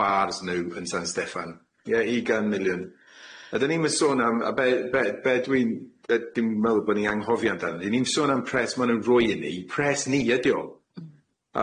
bars n'w yn San Steffan, ie ugain miliwn a dyn ni'm yn sôn am a be' be' be' dwi'n yy dwi'm yn me'wl bo' ni anghofio amdano ni ni'n sôn am pres ma' nw'n roi i, ni pres ni ydi o.